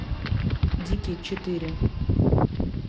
дикий четыре